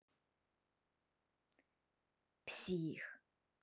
псих